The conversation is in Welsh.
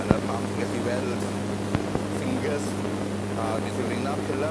A 'ny pam ti'n gallu weld fingers a beth yw reina pilar.